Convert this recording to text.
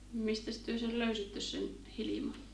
mistäs te sen löysitte sen Hilman